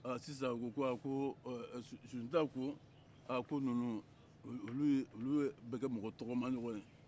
ha sisan u ko ko ha sunjata ko ha ko ninnu bɛ kɛ mɔgɔ tagamaɲɔgɔn ye